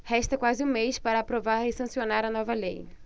resta quase um mês para aprovar e sancionar a nova lei